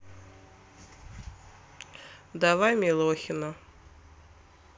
давай милохина